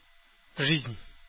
Жизнь